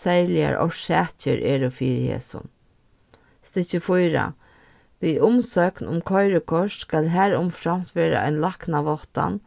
serligar orsakir eru fyri hesum stykki fýra við umsókn um koyrikort vera ein læknaváttan